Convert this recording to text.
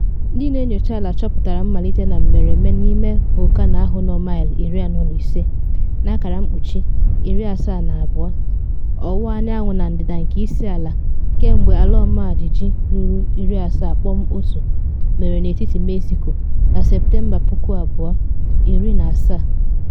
Ndị na enyocha ala chọpụtara mmalite na mmereme n’ime volkano ahụ nọ maịlụ 45 (kilomita 72) ọwụwa anyanwụ na ndịda nke isi ala kemgbe ala ọmajiji ruru 7.1 mere n’etiti Mexico na Septemba 2017.